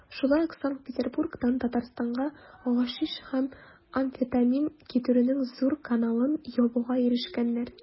Шулай ук Санкт-Петербургтан Татарстанга гашиш һәм амфетамин китерүнең зур каналын ябуга ирешкәннәр.